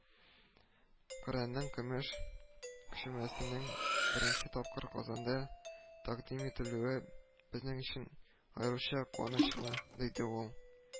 “коръәннең көмеш күчермәсенең беренче тапкыр казанда тәкъдим ителүе - безнең өчен аеруча куанычлы”, - диде ул